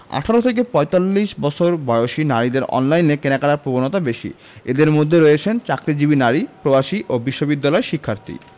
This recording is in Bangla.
১৮ থেকে ৪৫ বছর বয়সী নারীদের অনলাইনে কেনাকাটার প্রবণতা বেশি এঁদের মধ্যে রয়েছেন চাকরিজীবী নারী প্রবাসী ও বিশ্ববিদ্যালয় শিক্ষার্থী